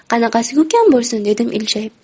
qanaqasiga ukam bo'lsin dedim iljayib